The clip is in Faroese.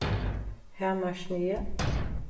hamarssniðið